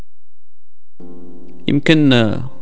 يمكن